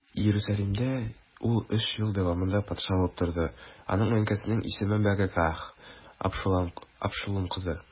Иерусалимдә ул өч ел дәвамында патша булып торды, аның әнкәсенең исеме Мәгакәһ, Абшалум кызы.